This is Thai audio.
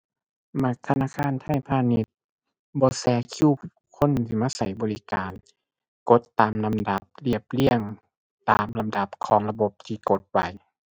มักธนาคารไทยพาณิชย์ บ่แทรกคิวคนที่มาใช้บริการ กดตามลำดับ เรียบเรียงตามลำดับของระบบที่กดไว้